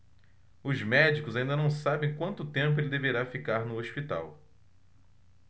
os médicos ainda não sabem quanto tempo ele deverá ficar no hospital